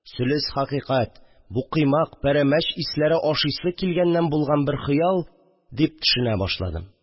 Сөлес – хәкыйкать, бу коймак, пәрәмәч исләре ашыысы килгәннән булган бер хыял», – дип төшенә башладым